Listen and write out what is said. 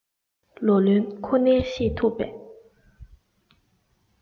ལོ ལོན ཁོ ནའི ཤེས ཐུབ པས